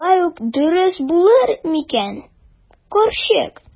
Шулай ук дөрес булыр микән, карчык?